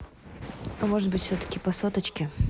а может быть все таки по соточке